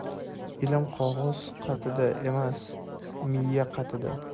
ilm qog'oz qatida emas miya qatida